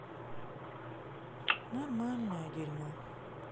нормальное дерьмо